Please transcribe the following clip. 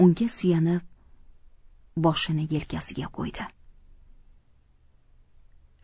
unga suyanib boshini yelkasiga qo'ydi